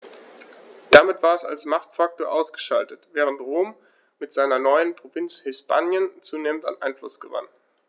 Damit war es als Machtfaktor ausgeschaltet, während Rom mit seiner neuen Provinz Hispanien zunehmend an Einfluss gewann.